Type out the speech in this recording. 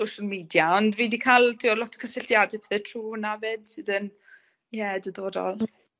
social media ond fi 'di ca'l t'wod lot o cysylltiade pethe trw' wnna 'fyd sydd yn ie diddorol.